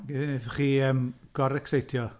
Fe wnaethoch chi yym gor-ecseitio?